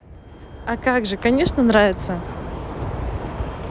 а как же конечно нравится